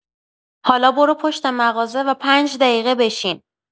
حالا برو پشت مغازه و پنج دقیقه بشین.